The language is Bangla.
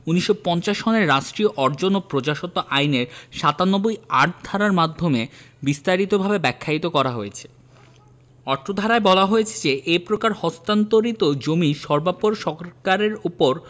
১৯৫০ সনের রাষ্ট্রীয় অর্জন ও প্রজাস্বত্ব আইনের ৯৭ ৮ ধারার মাধ্যমে বিস্তারিতভাবে ব্যাখ্যায়িত করা হয়েছে অত্র ধারায় বলা হয়েছে যে এ প্রকার হস্তান্তরিত জমি সর্বাপর সরকারের ওপর